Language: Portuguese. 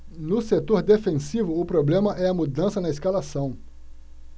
no setor defensivo o problema é a mudança na escalação